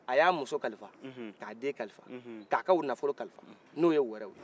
a y'a muso kalifa k' a den kalifa k'a ka nafalo kalifa n'o ye wɛrɛw ye